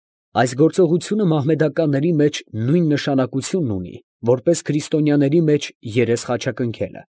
Այս գործողությունը մահմեդականների մեջ նույն նշանակությունն ունի, որպես քրիստոնյաների մեջ երես խաչակնքելը։